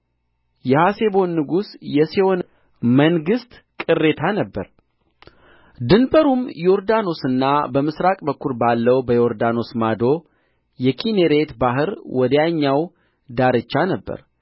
የሐሴቦን ንጉሥ የሴዎን መንግሥት ቅሬታ ነበረ ድንበሩም ዮርዳኖስና በምሥራቅ በኩል ባለው በዮርዳኖስ ማዶ የኪኔሬት ባሕር ወዲያኛው ዳርቻ ነበር